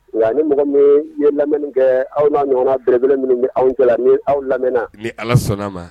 Nka ni mɔgɔ min ye lamɛnni kɛ aw' ɲɔgɔn bbele min bɛ aw cɛla ni aw lamɛn ni ala sɔnna ma